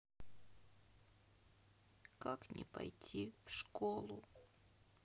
как не пойти в школу